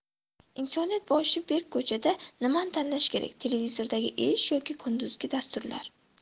insoniyat boshi berk ko'chada nimani tanlash kerak televizordagi ish yoki kunduzgi dasturlar